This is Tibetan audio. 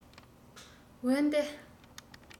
འོན ཏེ